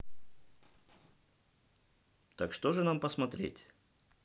так что же нам посмотреть